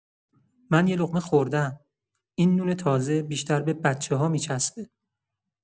من یه لقمه خوردم، این نون تازه بیشتر به بچه‌ها می‌چسبه.